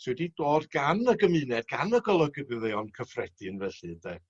sy wedi dod gan y gymuned gan y golygafyddeuon cyffredin felly ynde.